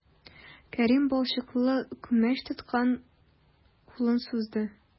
Кәрим балчыклы күмәч тоткан кулын сузды.